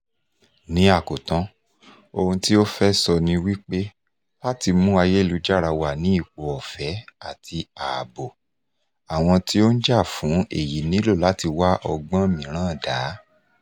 Ní àkótán, ohun tí ó fẹ́ sọ ní wípé láti mú ayélujára wà ní ipò ọ̀fẹ́ àti ààbò, àwọn tí ó ń jà fún èyí nílò láti wá ọgbọ́n mìíràn dá.